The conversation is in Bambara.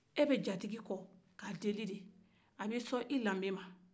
e bɛ jatigi kɔ k' a deli de a b' i sɔn i dambe ma